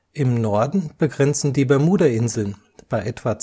Im Norden begrenzen die Bermudainseln bei etwa